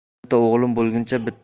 o'nta o'g'lim bo'lguncha